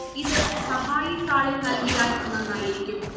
ഇത് സഹായി താളിൽ നൽകിയാൽ നന്നായിരിക്കും